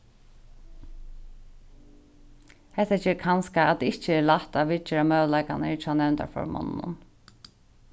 hetta ger kanska at ikki er lætt at viðgera møguleikar hjá nevndarformonnunum